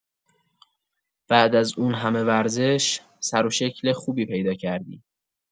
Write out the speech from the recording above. بعد از اون همه ورزش، سروشکل خوبی پیدا کردی!